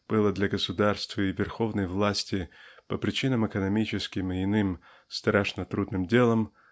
было для государства и верховной власти -- по причинам экономическим и иным -- страшно трудным делом